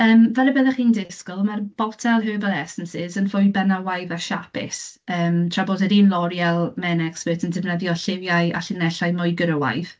Yym, fel y byddwch chi'n disgwyl, mae'r botel herbal essences yn fwy benywaidd a siapus, yym tra bod yr un L'oreal men-expert yn defnyddio lliwiau a llinellau mwy gwrywaidd.